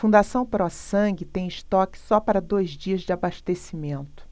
fundação pró sangue tem estoque só para dois dias de abastecimento